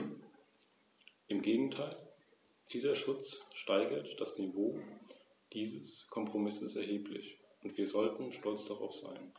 Endlich gibt es jetzt für jede Beförderungsart eine jeweilige Verordnung über Fahrgastrechte.